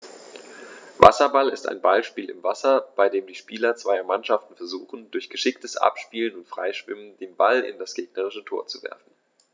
Wasserball ist ein Ballspiel im Wasser, bei dem die Spieler zweier Mannschaften versuchen, durch geschicktes Abspielen und Freischwimmen den Ball in das gegnerische Tor zu werfen.